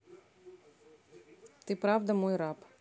ты правда мой раб